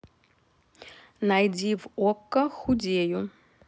найди в окко худею